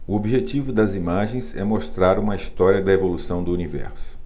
o objetivo das imagens é mostrar uma história da evolução do universo